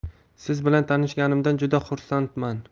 siz bilan tanishganimdan juda xursandman